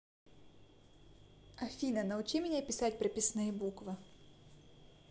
афина научи меня писать прописные буквы